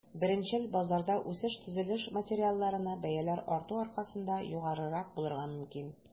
Беренчел базарда үсеш төзелеш материалларына бәяләр арту аркасында югарырак булырга мөмкин.